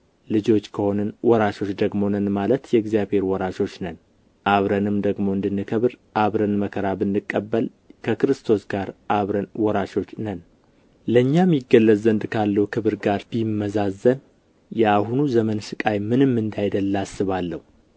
ልጆች ከሆንን ወራሾች ደግሞ ነን ማለት የእግዚአብሔር ወራሾች ነን አብረንም ደግሞ እንድንከበር አብረን መከራ ብንቀበል ከክርስቶስ ጋር አብረን ወራሾች ነን ለእኛም ይገለጥ ዘንድ ካለው ክብር ጋር ቢመዛዘን የአሁኑ ዘመን ሥቃይ ምንም እንዳይደለ አስባለሁ